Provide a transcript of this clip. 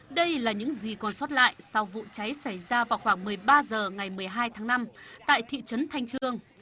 đây là những gì còn sót lại sau vụ cháy xảy ra vào khoảng mười ba giờ ngày mười hai tháng năm tại thị trấn thanh chương